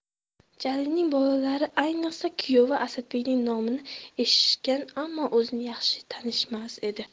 jalilning bolalari ayniqsa kuyovi asadbekning nomini eshitishgan ammo o'zini yaxshi tanishmas edi